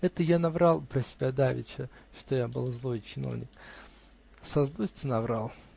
Это я наврал про себя давеча, что я был злой чиновник. Со злости наврал.